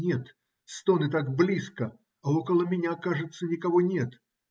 Нет, стоны так близко, а около меня, кажется, никого нет.